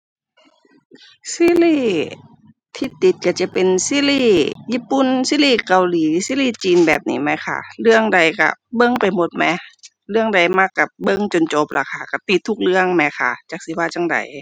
ซีรีส์ที่ติดก็จะเป็นซีรีส์ญี่ปุ่น ซีรีส์เกาหลี ซีรีส์จีน แบบนี้แหมค่ะ เรื่องใดก็เบิ่งไปหมดแหม เรื่องใดมักก็เบิ่งจนจบแหล้วค่ะ ก็ติดทุกเรื่องแหมค่ะ จักสิว่าจั่งใด